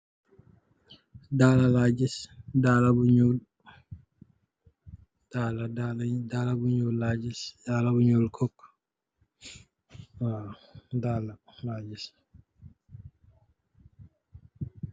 Dalla la gis, dalla bu ñuul, dalla bu ñuul kuk.